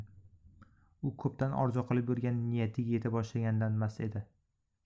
u ko'pdan orzu qilib yurgan niyatiga yeta boshlaganidan mast edi